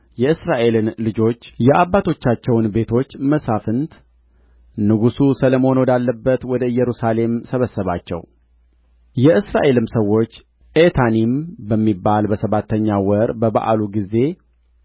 የእስራኤልን ልጆች የአባቶቻቸውን ቤቶች መሳፍንት ንጉሡ ሰሎሞን ወዳለበት ወደ ኢየሩሳሌም ሰበሰባቸው የእስራኤልም ሰዎች ኤታኒም በሚባል በሰባተኛው ወር በበዓሉ ጊዜ